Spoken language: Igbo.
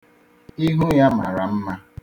Ihu ya mara mma.